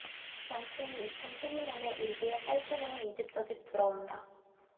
양씨는 이천 십 일 년에 일기에 쌀 주문이 이집저집 들어온다